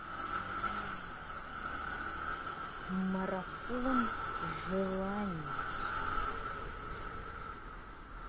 марафон желаний